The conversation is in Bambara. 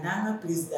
N'an ka p